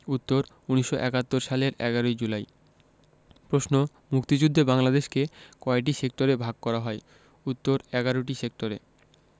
উত্তর ১৯৭১ সালের ১১ জুলাই প্রশ্ন মুক্তিযুদ্ধে বাংলাদেশকে কয়টি সেক্টরে ভাগ করা হয় উত্তর ১১টি সেক্টরে